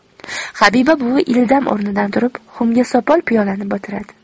habiba buvi ildam o'rnidan turib xumga sopol piyolani botiradi